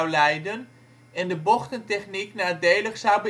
leiden en de bochtentechniek nadelig zou